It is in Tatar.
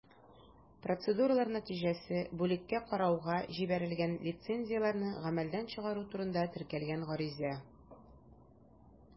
Процедуралар нәтиҗәсе: бүлеккә карауга җибәрелгән лицензияләрне гамәлдән чыгару турында теркәлгән гариза.